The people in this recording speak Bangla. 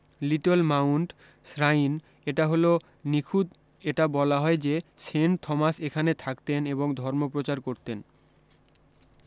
লিটল মাউন্ট শ্রাইন হল নিখুঁত এটা বলা হয় যে সেন্ট থমাস এখানে থাকতেন এবং ধর্ম প্রচার করতেন